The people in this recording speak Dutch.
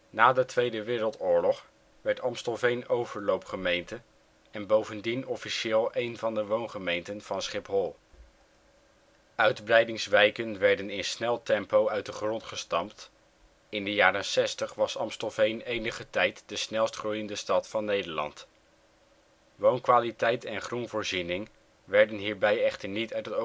Na de Tweede Wereldoorlog werd Amstelveen overloopgemeente en bovendien officieel een van de woongemeenten van Schiphol. Uitbreidingswijken werden in snel tempo uit de grond gestampt; in de jaren ' 60 was Amstelveen enige tijd de snelstgroeiende stad van Nederland. Woonkwaliteit en groenvoorziening werden hierbij echter niet uit